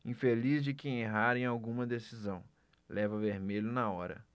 infeliz de quem errar em alguma decisão leva vermelho na hora